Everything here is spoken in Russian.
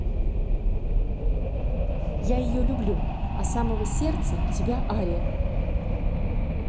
я ее люблю а самого сердца тебя ария